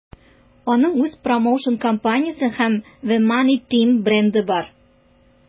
Аның үз промоушн-компаниясе һәм The Money Team бренды бар.